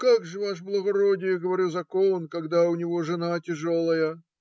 Как же, ваше благородие, говорю, закон, когда у него жена тяжелая?